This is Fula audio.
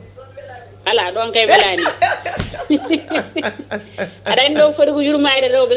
ala ɗon kay welanimi aɗa andi on footi ko yurmade rewɓe so